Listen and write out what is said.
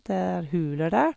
Det er huler der.